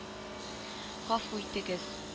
— гафу итегез